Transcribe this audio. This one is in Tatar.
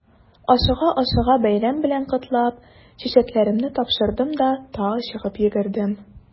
Ашыга-ашыга бәйрәм белән котлап, чәчәкләремне тапшырдым да тагы чыгып йөгердем.